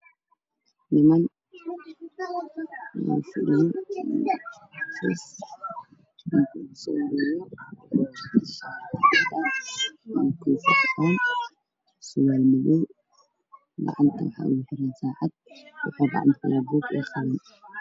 Halkaan waxaa yaalo kuraas caddan ah waxaa ka dambeeyo miis wayn